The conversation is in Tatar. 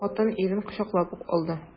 Хатын ирен кочаклап ук алды.